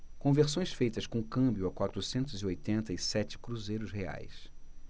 conversões feitas com câmbio a quatrocentos e oitenta e sete cruzeiros reais